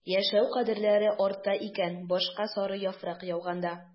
Яшәү кадерләре арта икән башка сары яфрак яуганда...